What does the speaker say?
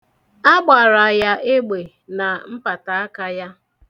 Agbara ya egbe na mpataaka ya.